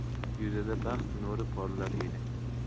yuzida baxt nuri porlar edi